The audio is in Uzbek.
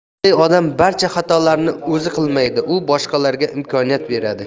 aqlli odam barcha xatolarni o'zi qilmaydi u boshqalarga imkoniyat beradi